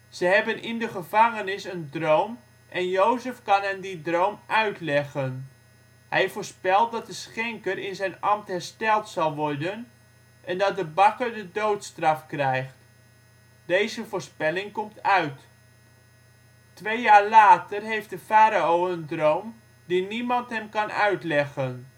Ze hebben in de gevangenis een droom en Jozef kan hen die droom uitleggen. Hij voorspelt dat de schenker in zijn ambt hersteld zal worden en dat de bakker de doodstraf krijgt. Deze voorspelling komt uit. Twee jaar later heeft de farao een droom die niemand hem kan uitleggen